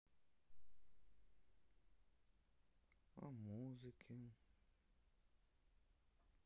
о музыке